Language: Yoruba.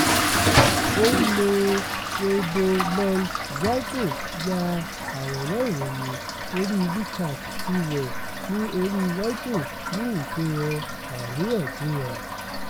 Ònlo Weibo Long Zhigao ya àwòrán ìròyìn orí WeChat ti rẹ̀ ní orí Weibo ní ìfihàn àríyànjiyàn.